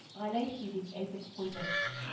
Галәйһи,— дип әйтеп куйды